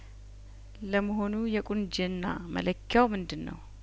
ለመሆኑ የቁንጅና መለኪያውምንድነው